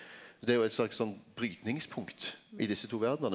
det er jo eit slags sånn brytningspunkt i desse to verdene.